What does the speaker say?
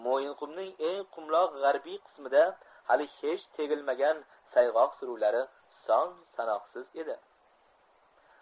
mo'yinqumning eng qumloq g'arbiy qismida hali hech tegilmagan sayg'oq suruvlari son sanoqsiz edi